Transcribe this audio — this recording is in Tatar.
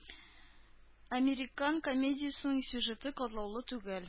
«американ» комедиясенең сюжеты катлаулы түгел.